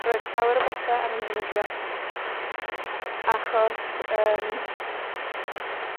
Roedd llawer o betha ar y newyddion, achos, yym,